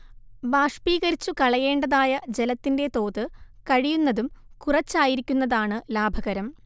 ബാഷ്പീകരിച്ചുകളയേണ്ടതായ ജലത്തിന്റെ തോത് കഴിയുന്നതും കുറച്ചായിരിക്കുന്നതാണ് ലാഭകരം